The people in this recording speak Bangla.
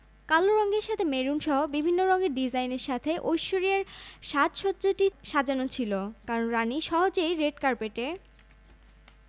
আমি এসেই তোমাদের নিয়ে গ্রাসে পারফিউম ফ্যাক্টরি দেখতে যাবো হোটেলের সৈকতে গিয়ে আমার প্রযোজকের পক্ষ থেকে একটি ফুলের তোড়া দিয়ে নিজের পরিচয় দিলাম কথায় কথায় আমার ছবির প্রসঙ্গ উঠলো